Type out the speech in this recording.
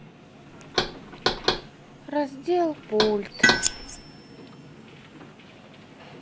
раздел пульт